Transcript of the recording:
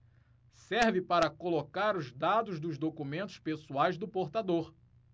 serve para colocar os dados dos documentos pessoais do portador